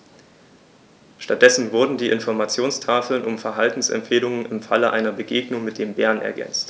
Stattdessen wurden die Informationstafeln um Verhaltensempfehlungen im Falle einer Begegnung mit dem Bären ergänzt.